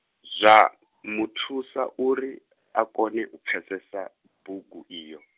zwa, mu thusa uri, a kone u pfesesa, bugu iyo.